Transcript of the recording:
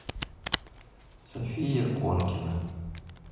софия конкина